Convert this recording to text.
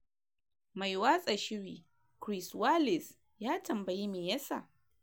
Mai watsa shiri Chris Wallace ya tambayi me yasa.